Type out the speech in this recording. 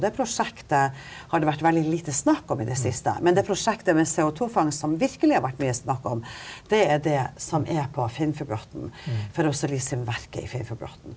det prosjektet har det vært veldig lite snakk om i det siste, men det prosjektet med CO2-fangst som virkelig har vært mye snakk om det er det som er på Finnfjordbotn, ferrosilisiumverket i Finnfjordbotn.